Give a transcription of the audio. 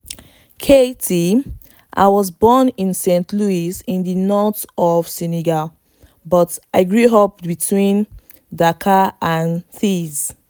Keyti : I was born in Saint-Louis in the north of Senegal but I grew up between Dakar and Thiès.